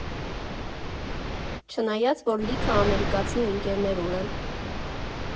Չնայած, որ լիքը ամերիկացի ընկերներ ունեմ։